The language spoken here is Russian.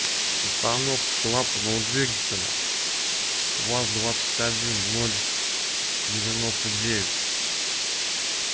установка шестнадцатиклапанного двигателя ваз двадцать один ноль девяносто девять